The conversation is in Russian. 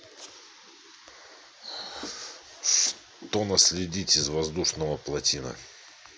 что наследить из воздушного платина